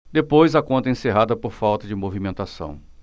depois a conta é encerrada por falta de movimentação